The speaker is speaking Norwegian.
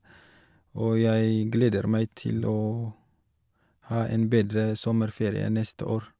Og jeg gleder meg til å ha en bedre sommerferie neste år.